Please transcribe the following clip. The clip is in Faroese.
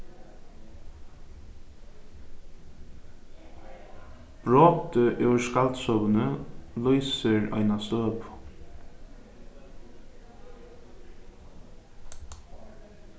brotið úr skaldsøguni lýsir eina støðu